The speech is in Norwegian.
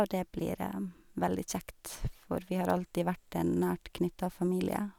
Og det blir veldig kjekt, for vi har alltid vært en nært knytta familie.